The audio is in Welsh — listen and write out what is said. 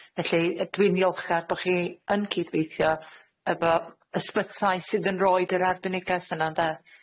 Felly yy dwi'n ddiolchgar bo' chi yn cydweithio efo ysbytai sydd yn roid yr arbenigedd yna, ynde.